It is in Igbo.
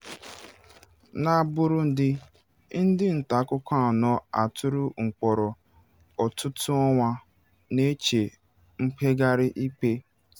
Na Burundi, ndị nta akụkọ anọ a tụrụ mkpọrọ ọtụtụ ọnwa na-eche mkpegharị ikpe